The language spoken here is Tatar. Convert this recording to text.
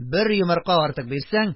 Бер йомырка артык бирсәң,